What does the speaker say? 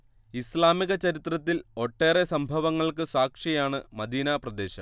ഇസ്ലാമിക ചരിത്രത്തിൽ ഒട്ടേറെ സംഭവങ്ങൾക്ക് സാക്ഷിയാണ് മദീന പ്രദേശം